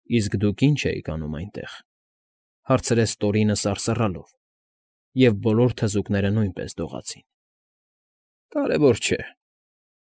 Իսկ դուք ի՞նչ էիք անում այնտեղ,֊ հարցրեց Տորինը սարսռալով, և բոլոր թզուկները նույնպես դողացին։ ֊ Կարևոր չէ։